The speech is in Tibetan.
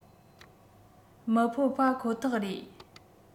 མི ཕོད པ ཁོ ཐག རེད